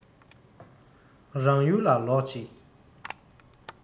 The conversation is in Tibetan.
རང ཡུལ ལ ལོག ཅིང